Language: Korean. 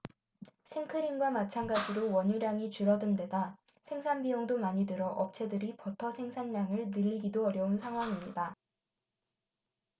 생크림과 마찬가지로 원유량이 줄어든데다 생산 비용도 많이 들어 업체들이 버터 생산량을 늘리기도 어려운 상황입니다